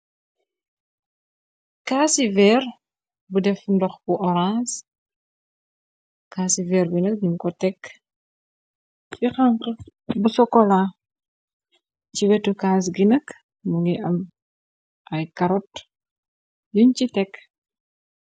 Kaasi vehrre bu deff ndoh bu ohranse, kaasi vehrre bii nak njung kor tek cii khanhu bu chocolat, chi wehtu kaass gui nak mungy am aiiy carrot yungh chi tek.